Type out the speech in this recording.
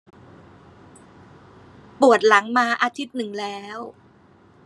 ปวดหลังมาอาทิตย์หนึ่งแล้ว